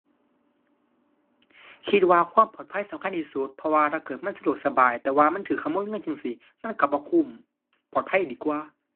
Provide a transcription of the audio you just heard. คิดว่าความปลอดภัยสำคัญที่สุด เพราะว่าถ้าเกิดมันสะดวกสบาย แต่ว่ามันถูกขโมยเงินจั่งซี้ มันถูกบ่คุ้ม ปลอดภัยดีกว่า